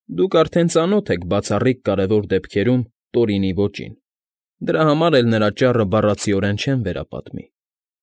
Դուք արդեն ծանոթ եք բացառիկ կարևոր դեպքերում Տորինի ոճին, դրա համար էլ նրա ճառը բառացիորեն չեմ վերապատմի։